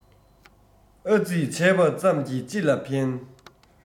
ཨ ཙི བྱས པ ཙམ གྱིས ཅི ལ ཕན